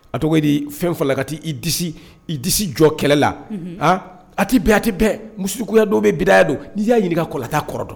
A tɔgɔ di fɛn fara ka taa i i disi jɔ kɛlɛ la a a tɛbitɛ bɛɛ misikuya dɔw bɛ bida don n'i y'a ɲini kɔlɔnta kɔrɔ dɔn